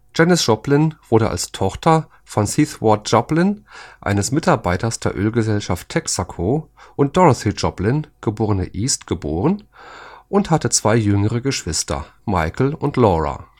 Janis Joplin wurde als Tochter von Seth Ward Joplin, eines Mitarbeiters der Ölgesellschaft Texaco, und Dorothy Joplin (geb. East) geboren und hatte zwei jüngere Geschwister, Michael und Laura